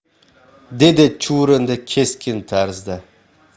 dedi chuvrindi keskin tarzda